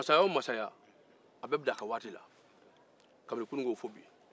masaya o masaya a bɛɛ dan a ka waati la